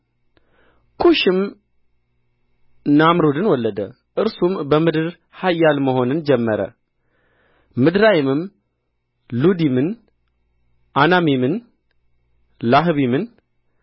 ኩሽም ናምሩድን ወለደ እርሱም በምድር ኃያል መሆንን ጀመረ ምጽራይምም ሉዲምን ዐናሚምን ላህቢምን